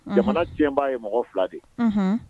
Jamana cɛba ye mɔgɔ fila de ye